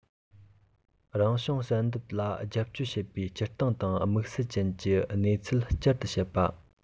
རང བྱུང བསལ འདེམས ལ རྒྱབ སྐྱོར བྱེད པའི སྤྱིར བཏང དང དམིགས བསལ ཅན གྱི གནས ཚུལ བསྐྱར དུ བཤད པ